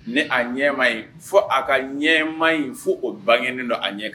Ne a ɲɛ maɲi , fo a ka ɲɛmaɲi fo o bangenen don a ɲɛ na.